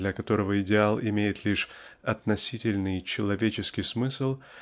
для которого идеал имеет лишь относительный человеческий смысл